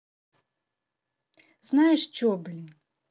знаешь че блин